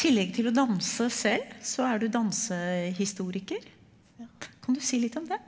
tillegg til å danse selv så er du dansehistoriker, kan du si litt om det?